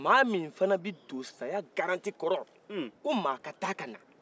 ma min fana bɛ don saya garantie kɔrɔ k'o ma kata kana